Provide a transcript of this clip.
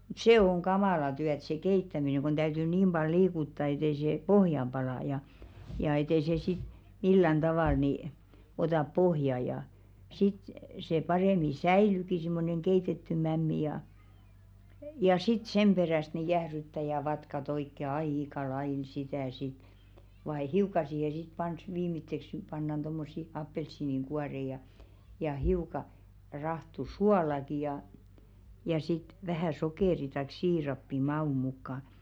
se on kamalaa työtä se keittäminen kun täytyy niin paljon liikuttaa että ei se pohjaan pala ja ja että ei se sitten millään tavalla niin ota pohjaan ja sitten se paremmin säilyykin semmoinen keitetty mämmi ja ja sitten sen perästä niin jäähdyttää ja vatkata oikein aika lailla sitä sitten vain hiukan siihen sitten panisi viimeiseksi pannaan tuommoisia appelsiinin kuoria ja ja hiukan rahtu suolaakin ja ja sitten vähän sokeria tai siirappia maun mukaan